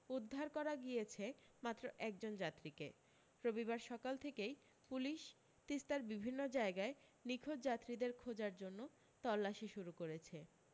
উদ্ধার করা গিয়েছে মাত্র এক জন যাত্রীকে রবিবার সকাল থেকেই পুলিশ তিস্তার বিভিন্ন জায়গায় নিখোঁজ যাত্রীদের খোঁজার জন্য তল্লাশি শুরু করেছে